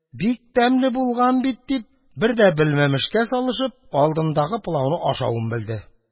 Үзе: – Бик тәмле булган икән, – дип, берни дә белмәмешкә салышып, алдындагы пылауны ашавын белде.